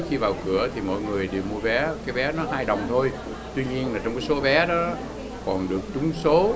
trước khi vào cửa thì mọi người đều mua vé cái vé nó hai đồng thôi tuy nhiên là trong số vé đó còn được trúng số